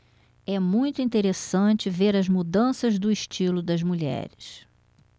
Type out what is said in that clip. é muito interessante ver as mudanças do estilo das mulheres